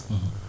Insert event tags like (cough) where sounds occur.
(hesitation) (hesitation)